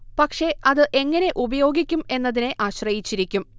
പക്ഷെ അത് എങ്ങനെ ഉപയോഗിക്കും എന്നതിനെ ആശ്രയ്ചിരിക്കും